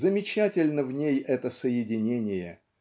Замечательно в ней это соединение